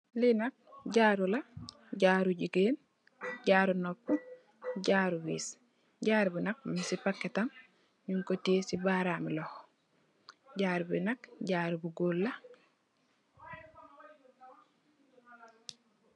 Li nak jaaru la jaaru jigeen jaaru nopa jaaru wess jaaru bi nak mung si paketam nyun ko tiye si barami loxo jaaru bi nak jaaru bu gold la.